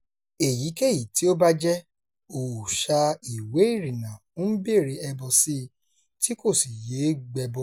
Èyí kéyìí tí ò báà jẹ́, òòsà ìwé ìrìnnà ń béèrè ẹbọ sí i, tí kò sì yé é gbẹbọ.